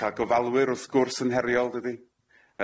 Ma' ca'l gofalwyr wrth gwrs yn heriol dydi?